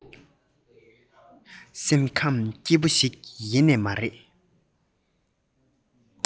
སེམས ཁམས སྐྱིད པོ ཞིག ཡེ ནས མ རེད